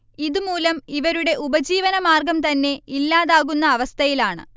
ഇതുമൂലം ഇവരുടെ ഉപജീവനമാർഗം തന്നെ ഇല്ലാതാകുന്ന അവ്സഥയിലാണ്